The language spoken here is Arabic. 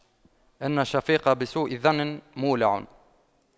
إن الشفيق بسوء ظن مولع